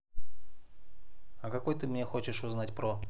а какой ты мне хочешь узнать про